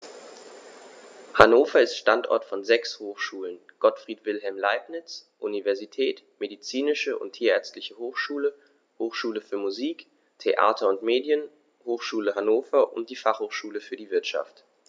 Hannover ist Standort von sechs Hochschulen: Gottfried Wilhelm Leibniz Universität, Medizinische und Tierärztliche Hochschule, Hochschule für Musik, Theater und Medien, Hochschule Hannover und die Fachhochschule für die Wirtschaft.